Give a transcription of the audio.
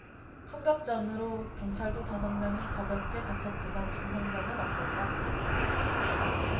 총격전으로 경찰도 다섯 명이 가볍게 다쳤지만 중상자는 없었다